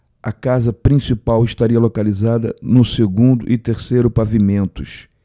a casa principal estaria localizada no segundo e terceiro pavimentos